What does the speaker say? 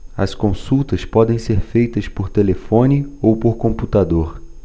as consultas podem ser feitas por telefone ou por computador